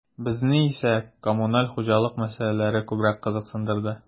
Безне исә коммуналь хуҗалык мәсьәләләре күбрәк кызыксындырды.